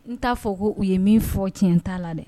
N t'a fɔ ko u ye min fɔ cɛn t ta la dɛ